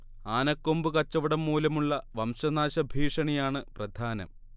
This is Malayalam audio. ആനക്കൊമ്പ് കച്ചവടം മൂലമുള്ള വംശനാശ ഭീഷണിയാണ് പ്രധാനം